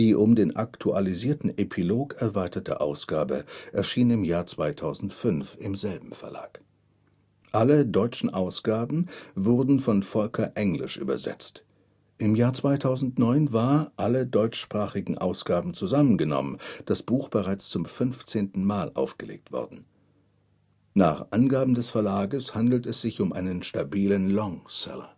um den aktualisierten Epilog erweitere Ausgabe erschien im Jahr 2005 im selben Verlag. Alle deutschen Ausgaben wurden von Volker Englisch übersetzt. Im Jahr 2009 war, alle deutschsprachigen Ausgaben zusammengenommen, das Buch bereits zum 15. Mal aufgelegt worden. Nach Angaben des Verlages handelt es sich um einen stabilen Longseller